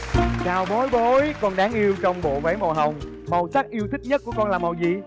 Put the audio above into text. chào bối bối con đáng yêu trong bộ váy màu hồng màu sắc yêu thích nhất của con là màu gì